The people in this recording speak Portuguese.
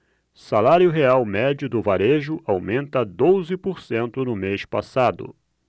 salário real médio do varejo aumenta doze por cento no mês passado